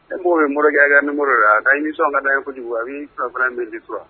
E mɔgɔw bɛ mori nimo a i ni sɔn ka taa ye fɔ wa an fana in bɛ dikura